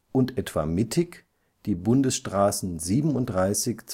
und etwa mittig die Bundesstraßen 37